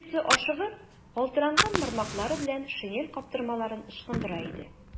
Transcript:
Тегесе ашыгып, калтыранган бармаклары белән шинель каптырмаларын ычкындыра иде.